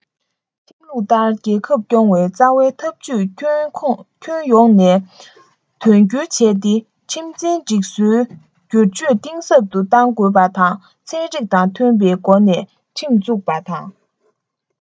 ཁྲིམས ལུགས ལྟར རྒྱལ ཁབ སྐྱོང བའི རྩ བའི ཐབས ཇུས ཁྱོན ཡོངས ནས དོན འཁྱོལ བྱས ཏེ ཁྲིམས འཛིན སྒྲིག སྲོལ སྒྱུར བཅོས གཏིང ཟབ ཏུ གཏོང དགོས པ དང ཚན རིག དང མཐུན པའི སྒོ ནས ཁྲིམས འཛུགས པ དང